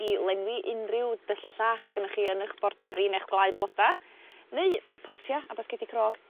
i lenwi unryw dylla' sgynnoch chi yn 'ych borderi ne'ch gwlau bloda neu potia a basgedi crog